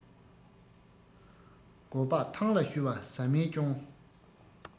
མགོ སྤགས ཐང ལ བཤུ བ ཟ མའི སྐྱོན